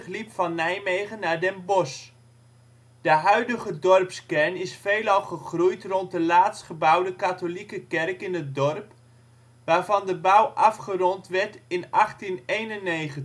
liep van Nijmegen naar Den Bosch. De huidige dorpskern is veelal gegroeid rond de laatst gebouwde katholieke kerk in het dorp, waarvan de bouw afgerond werd in 1891